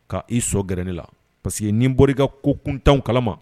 K ka i so gɛrɛ ne la pa parce que ye nin bɔra i ka ko kuntanw kalama